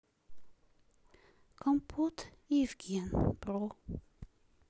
компот и евген бро